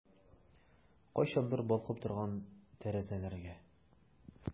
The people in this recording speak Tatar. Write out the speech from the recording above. Кайчандыр балкып торган тәрәзәләргә...